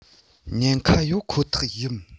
ཉན ཁ ཡོད ཁོ ཐག ཡིན